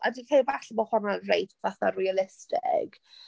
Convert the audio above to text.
A dwi'n credu falle mae honna'n reit fatha realistig.